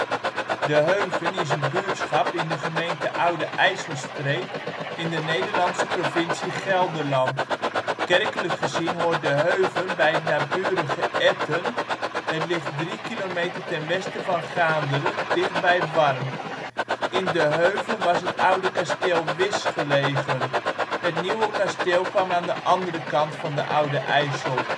buurtschap in de gemeente Oude IJsselstreek in de Nederlandse provincie Gelderland. Kerkelijk gezien hoort De Heuven bij het naburige Etten. Het ligt 3 kilometer ten westen van Gaanderen dichtbij Warm. In De Heuven was het oude kasteel Wisch gelegen. Het nieuwe kasteel kwam aan de andere kant van de Oude IJssel